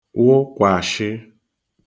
wụkwàshị